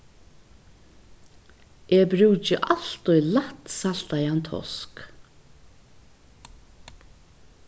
eg brúki altíð lætt saltaðan tosk